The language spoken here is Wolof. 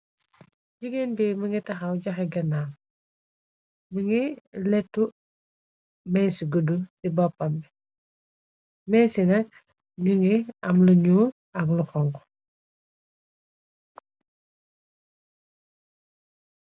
Jigéen bi mi ngi taxaw juxe gannaam, mi ngi lettu meyci gudd ci boppam bi , meyci nakk ñu ngi am lu ñuul ak lu xonxo.